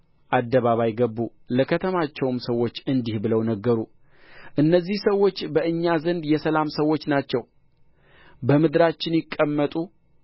አደባባይ ገቡ ለከተማቸውም ሰዎች እንዲህ ብለው ነገሩ እነዚህ ሰዎች በእኛ ዘንድ የሰላም ሰዎች ናቸው በምድራችን ይቀመጡ